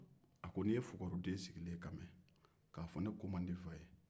n'i ye fugariden sigilen kan mɛn k' a fɔ ne ko man di n fa ye